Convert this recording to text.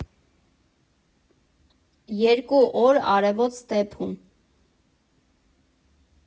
ԵՐԿՈՒ ՕՐ ԱՐԵՎՈՏ ՍՏԵՓՈՒՄ։